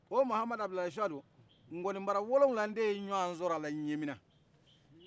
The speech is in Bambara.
o mamadu abudulai suadu ŋɔni bara wolofila deɲɔgɔn sɔrɔ ala ɲɛmina